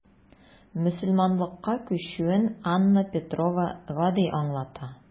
Мөселманлыкка күчүен Анна Петрова гади аңлата.